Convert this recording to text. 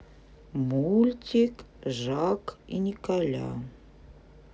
мультик жак и николя